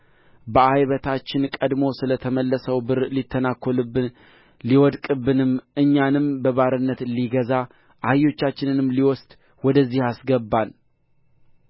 በዓይበታችን ቀድሞ ስለ ተመለሰው ብር ሊተነኰልብን ሊወድቅብንም እኛንም በባርነት ሊገዛ አህዮቻችንንም ሊወስድ ወደዚህ አስገባን